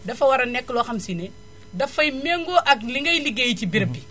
dafa war a nekk loo xam si ne dafay méngoo ak ni ngay liggéeyee ci béréb bi